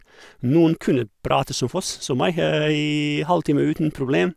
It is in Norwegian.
Noen kunne prate som foss, som meg, i halvtime uten problem.